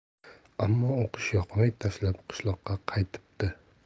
ammo o'qish yoqmay tashlab qishloqqa qaytibdi